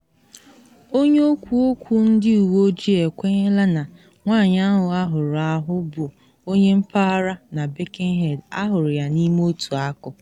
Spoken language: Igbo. Onye okwu okwu ndị uwe ojii ekwenyela na nwanyị ahụ ahụrụ ahụ bụ onye mpaghara na Birkenhead, ahụrụ ya n’ime otu akụ.